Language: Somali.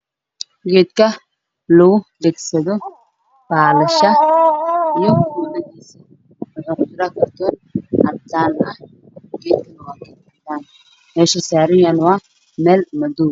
Waa geedka lagu dhagsado baalasha